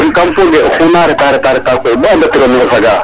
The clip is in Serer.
Kaam foog e oxu naa retaa, retaa koy bo andatiro me o saga.